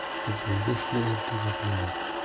bugungi ishni ertaga qo'yma